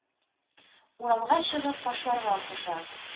Урамга чыгарып ташларга куша.